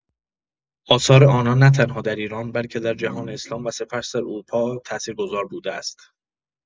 آثار آنان نه‌تنها در ایران، بلکه در جهان اسلام و سپس در اروپا تأثیرگذار بوده است.